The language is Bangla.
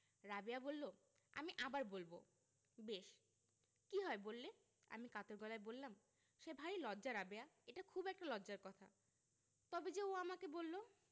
রাবেয়া বললো আমি আবার বলবো বেশ কি হয় বললে আমি কাতর গলায় বললাম সে ভারী লজ্জা রাবেয়া এটা খুব একটা লজ্জার কথা তবে যে ও আমাকে বললো